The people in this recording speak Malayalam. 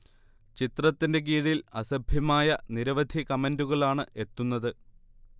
ചിത്രത്തിന്റെ കീഴിൽ അസഭ്യമായ നിരവധി കമന്റുകളാണ് എ്ത്തുന്നത്